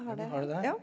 ja du har det der.